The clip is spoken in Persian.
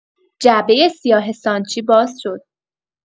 جعبه سیاه سانچی باز شد